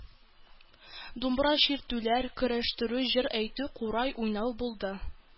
Думбра чиртүләр, көрәштерү, җыр әйтү, курай уйнау булды.